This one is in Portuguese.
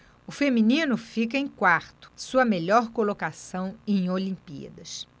o feminino fica em quarto sua melhor colocação em olimpíadas